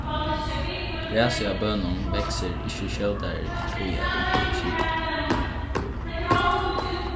grasið á bønum veksur ikki skjótari tí at onkur sigur tað